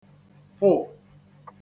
fụ